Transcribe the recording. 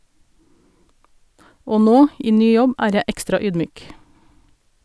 Og nå, i ny jobb, er jeg ekstra ydmyk.